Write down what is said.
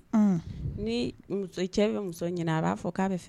Ni muso cɛ bɛ muso ɲini a b'a fɔ k'a bɛ fɛ